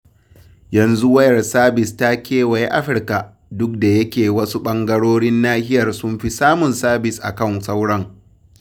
Yanzu wayar sabis ta kewaye Afirka, duk da yake wasu ɓangarorin nahiyar sun fi samun sabis a kan sauran.